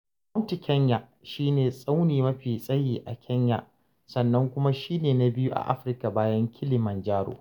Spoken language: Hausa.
Mount Kenya shi ne tsauni mafi tsayi a Kenya sannan kuma shi ne na biyu a Afirka bayan Kilimanjaro.